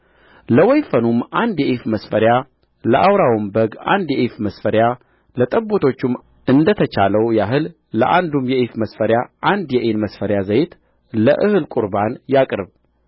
ለወይፈኑም አንድ የኢፍ መስፈሪያ ለአውራውም በግ አንድ የኢፍ መስፈሪያ ለጠቦቶቹም እንደ ተቻለው ያህል ለአንዱም የኢፍ መስፈሪያ አንድ የኢን መስፈሪያ ዘይት ለእህሉ ቍርባን ያቅርብ